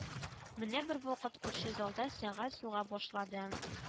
Менә бервакыт күрше залда сәгать суга башлады